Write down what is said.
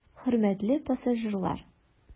Хөрмәтле пассажирлар!